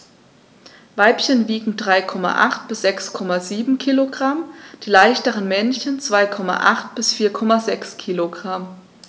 Weibchen wiegen 3,8 bis 6,7 kg, die leichteren Männchen 2,8 bis 4,6 kg.